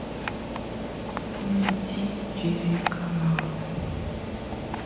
найти тв каналы